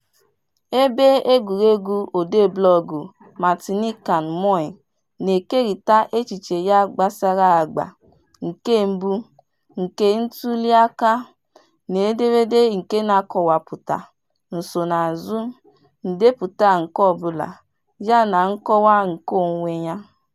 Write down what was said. Ebe egwuruegwu odee blọọgụ Martinican [moi] na-ekerịta echiche ya gbasara àgbà nke mbụ nke ntuliaka, n'ederede nke na-akọwapụta nsonaazụ ndepụta nke ọbụla, ya na nkọwa nkeonwe ya.